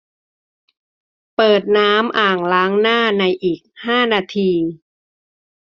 เปิดน้ำอ่างล้างหน้าในอีกห้านาที